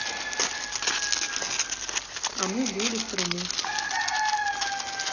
а мы были в крыму